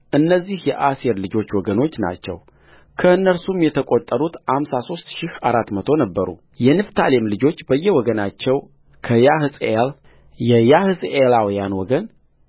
እነዚህ የአሴር ልጆች ወገኖች ናቸው ከእነርሱም የተቈጠሩት አምሳ ሦስት ሺህ አራት መቶ ነበሩየንፍታሌም ልጆች በየወገናቸው ከያሕጽኤል የያሕጽኤላውያን ወገን